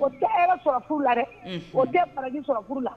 o tɛ sɔrɔ furu la o tɛ baraji sɔrɔ la